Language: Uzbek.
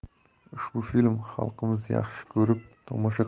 ushbu film xalqimiz yaxshi ko'rib tomosha